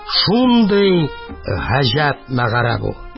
Шундый гаҗәеп мәгарә бу.